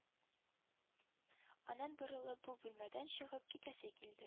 Аның борылып бу бүлмәдән чыгып китәсе килде